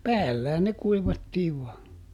päällähän ne kuivattiin vain